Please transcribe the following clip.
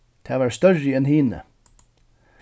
tað var størri enn hini